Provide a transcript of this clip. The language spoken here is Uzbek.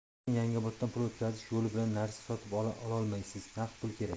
lekin yangioboddan pul o'tkazish yo'li bilan narsa sotib ololmaysiz naqd pul kerak